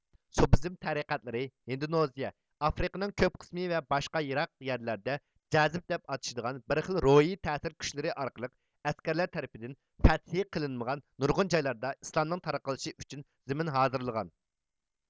سوپىزم تەرىقەتلىرى ھىندونېزىيە ئافرىقىنىڭ كۆپ قىسمى ۋە باشقا يىراق يەرلەردە جەزب دەپ ئاتىشىدىغان بىر خىل روھىي تەسىر كۈچلىرى ئارقىلىق ئەسكەرلەر تەرىپىدىن فەتھى قىلىنمىغان نۇرغۇن جايلاردا ئىسلامنىڭ تارقىلىشى ئۈچۈن زېمىن ھازىرلىغان